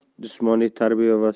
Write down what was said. jismoniy tarbiya va